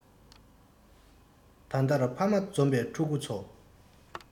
ད ལྟར ཕ མ འཛོམས པའི ཕྲུ གུ ཚོ